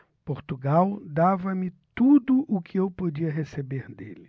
portugal dava-me tudo o que eu podia receber dele